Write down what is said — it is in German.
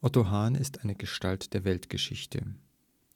Otto Hahn ist eine Gestalt der Weltgeschichte.